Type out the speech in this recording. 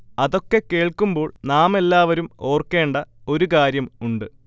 അതൊക്കെ കേൾക്കുമ്പോൾ നാമെല്ലാവരും ഓർക്കേണ്ട ഒരു കാര്യം ഉണ്ട്